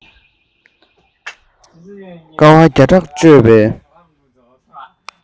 དཀའ བ བརྒྱ ཕྲག སྤྱོད པའི